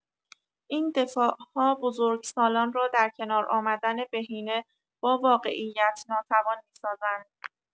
این دفاع‌ها بزرگسالان را در کنار آمدن بهینه با واقعیت ناتوان می‌سازند.